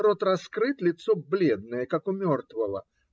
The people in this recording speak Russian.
Рот раскрыт, лицо бледное, как у мертвого.